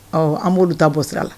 Ɔ an b'olu ta bɔ sira a la